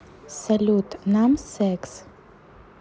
салют нам секс